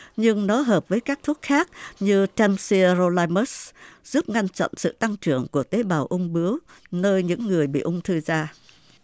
nhưng nó hợp với các thuốc khác như can si ơ rô lai mớt giúp ngăn chặn sự tăng trưởng của tế bào ung bướu nơi những người bị ung thư da